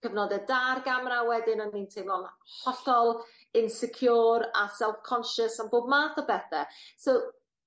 cyfnode da ar gamera wedyn o'n i'n teimlo'n hollol insecure a self concious am bob math o bethe so